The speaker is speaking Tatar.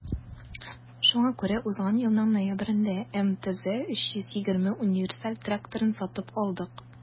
Шуңа күрә узган елның ноябрендә МТЗ 320 универсаль тракторын сатып алдык.